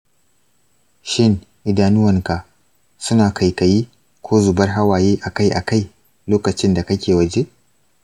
shin idanuwanka suna kaikayi ko zubar hawaye akai-akai lokacin da kake waje?